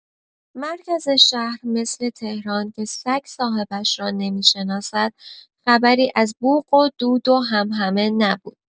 مرکز شهر مثل تهران که سگ صاحبش را نمی‌شناسد، خبری از بوق و دود و همهمه نبود.